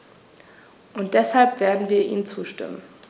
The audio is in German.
Und deshalb werden wir ihm zustimmen.